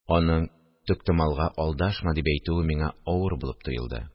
Аның тиктомалга «алдашма» дип әйтүе миңа авыр булып тоелды